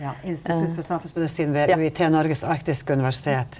ja Institutt for samfunnsmedisin ved UiT Noregs arktiske universitet?